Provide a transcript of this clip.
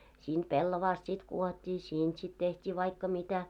siitä pellavasta sitten kudottiin siitä sitten tehtiin vaikka mitä